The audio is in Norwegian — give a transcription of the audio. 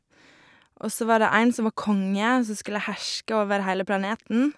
Og så var det en som var konge, og som skulle herske over heile planeten.